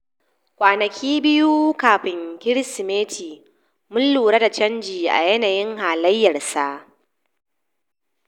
"Kwanaki biyu kafin Kirsimeti mun lura da canji a yanayin halayyar sa.